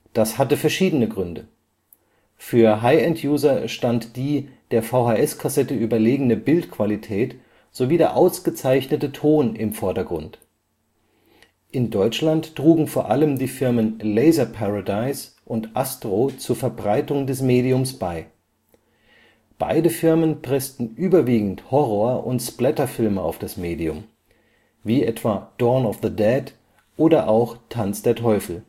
Das hatte verschiedene Gründe: Für High-End-User stand die der VHS-Kassette überlegene Bildqualität sowie der ausgezeichnete Ton im Vordergrund. In Deutschland trugen vor allem die Firmen Laser Paradise und Astro zur Verbreitung des Mediums bei. Beide Firmen pressten überwiegend Horror - und Splatter-Filme auf das Medium, wie etwa Dawn of the Dead oder auch Tanz der Teufel